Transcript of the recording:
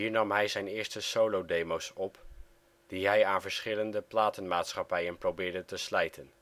nam hij zijn eerste solodemo 's op die hij aan verschillende platenmaatschappijen probeerde te slijten